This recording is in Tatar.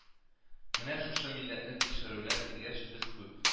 Менә шушы милләтне тикшерүләр килгәч, без күп